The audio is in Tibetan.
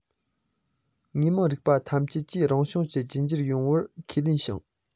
དངོས མང རིག པ བ ཐམས ཅད ཀྱིས རང བྱུང གི རྒྱུད འགྱུར ཡོད པར ཁས ལེན ཞིང